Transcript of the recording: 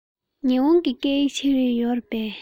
ཉི ཧོང གི སྐད ཡིག ཆེད ལས ཡོད རེད པས